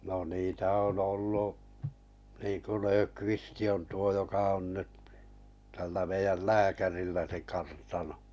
no niitä on ollut niin kuin Löfqvist on tuo joka on nyt tällä meidän lääkärillä se kartano